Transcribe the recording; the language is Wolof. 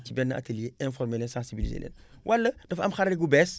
ci benn atelier informé leen sensibilisé leen wala dafa am xarale gu bees